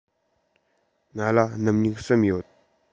ང ལ སྣུམ སྨྱུག གསུམ ཡོད